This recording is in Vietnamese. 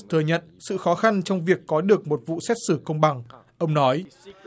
thừa nhận sự khó khăn trong việc có được một vụ xét xử công bằng ông nói